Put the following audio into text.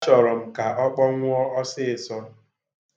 Achọrọ m ka ọ kpọnwụọ ọsịịsọ.